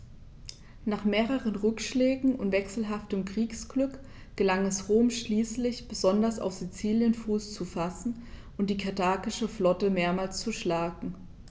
Nach mehreren Rückschlägen und wechselhaftem Kriegsglück gelang es Rom schließlich, besonders auf Sizilien Fuß zu fassen und die karthagische Flotte mehrmals zu schlagen.